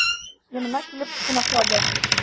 Янына килеп кунаклады.